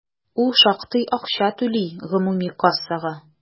Ул шактый акча түли гомуми кассага.